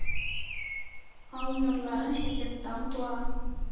Ал нурларын чәчеп, таң туа,